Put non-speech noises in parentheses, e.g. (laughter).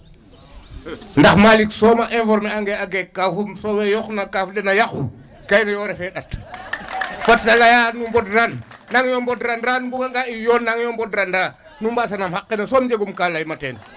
(noise) Ndax Malick soom a infomer angee a geek kaufum so we yoqna kaaf den a yaqu (noise) kene yo refee ƭat (applause) parce que fat da laya nu mbodran nangyo mbodranda nu mbuganga i yoon nangyo mbodranda nu mbaasanaam xaq kene soom jeg'um ka layma teen. (applause)